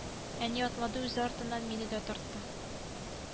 Татар телевидениесен биредә карап була.